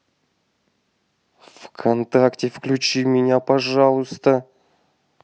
вконтакте выключи меня пожалуйста